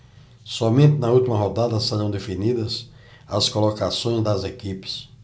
somente na última rodada serão definidas as colocações das equipes